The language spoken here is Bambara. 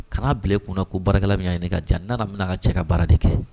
Kana bila kunnana ko baarakɛla min ɲini ka jan n nana bɛna ka cɛ ka baara de kɛ